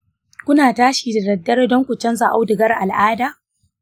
kuna tashi da daddare don ku canza audugar al'ada?